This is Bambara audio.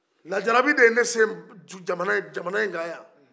lajarabi de ye ne se jamana in kan yan